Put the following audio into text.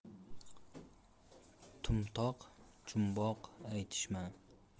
to'mtoq jumboq aytishma